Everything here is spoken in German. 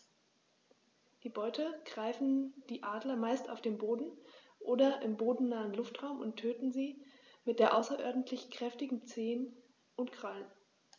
Die Beute greifen die Adler meist auf dem Boden oder im bodennahen Luftraum und töten sie mit den außerordentlich kräftigen Zehen und Krallen.